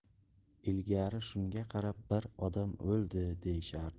ilgarilari shunga qarab bir odam o'ldi deyishardi